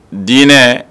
Diinɛ